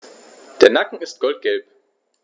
Der Nacken ist goldgelb.